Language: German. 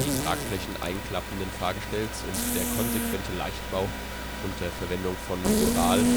Tragflächen einklappenden Fahrgestells und der konsequente Leichtbau unter Verwendung von Dural